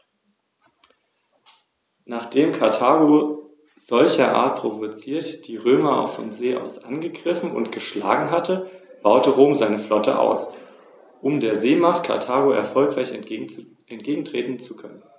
An erster Stelle steht dabei der Gedanke eines umfassenden Naturschutzes.